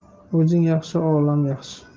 o'zing yaxshi olam yaxshi